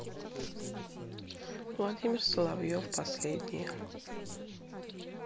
владимир соловьев последнее